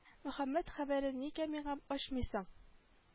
Мөхәммәт хәбәрен нигә миңа ачмыйсың